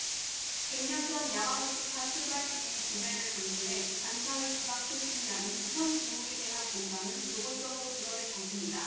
백 년 전 야마구치파 출발지인 고베를 강조해 간사이 지방 출신이 아닌 현 두목에 대한 반감을 노골적으로 드러낸 것입니다